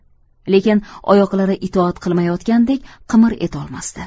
lekin oyoqlari itoat qilmayotgandek qimir etolmasdi